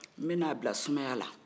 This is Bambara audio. n bɛna a bila sumaya la